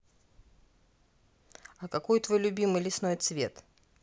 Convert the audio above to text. а какой твой любимый лесной цвет